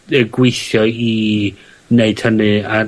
yy gweithio i neud hynny, a.